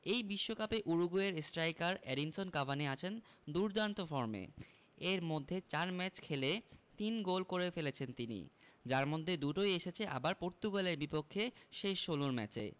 এই বিশ্বকাপে উরুগুয়ের স্ট্রাইকার এডিনসন কাভানি আছেন দুর্দান্ত ফর্মে এর মধ্যে ৪ ম্যাচে খেলে ৩ গোল করে ফেলেছেন তিনি যার মধ্যে দুটোই এসেছে আবার পর্তুগালের বিপক্ষে শেষ ষোলোর ম্যাচে